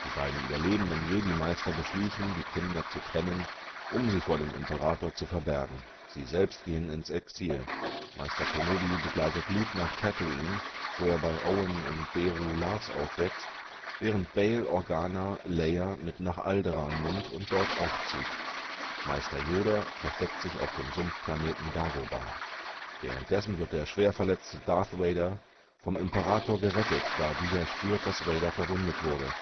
beiden überlebenden Jedi-Meister beschließen, die Kinder zu trennen, um sie vor dem Imperator zu verbergen. Sie selbst gehen ins Exil. Meister Kenobi begleitet Luke nach Tatooine, wo er bei Owen und Beru Lars aufwächst, während Bail Organa Leia mit nach Alderaan nimmt und dort aufzieht. Meister Yoda versteckt sich auf dem Sumpfplaneten Dagobah. Währenddessen wird der schwerverletzte Darth Vader vom Imperator gerettet, da dieser spürt, dass Vader verwundet wurde